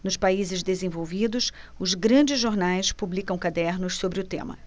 nos países desenvolvidos os grandes jornais publicam cadernos sobre o tema